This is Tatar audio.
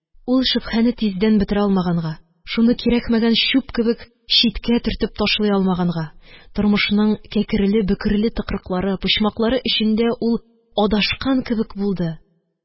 Ул шөбһәне тиздән бетерә алмаганга, шуны кирәкмәгән чүп кебек читкә төртеп ташлый алмаганга, тормышның кәкрелебөкреле тыкрыклары, почмаклары эчендә ул адашкан кебек булды,